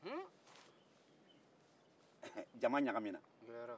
jama ɲagamina